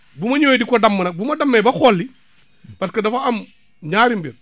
bu ma ñëwee di ko damm nag bu ma dammee ba xolli parce que dafa am ñaari mbir